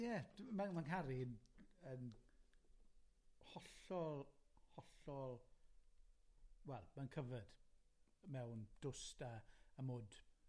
Ie, dw- ma'n ma'n ngha i'n yn. hollol, hollol, wel, mae'n covered mewn dwst a a mwd.